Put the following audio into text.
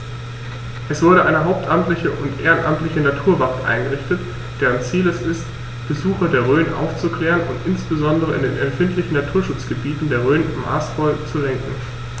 Es wurde eine hauptamtliche und ehrenamtliche Naturwacht eingerichtet, deren Ziel es ist, Besucher der Rhön aufzuklären und insbesondere in den empfindlichen Naturschutzgebieten der Rhön maßvoll zu lenken.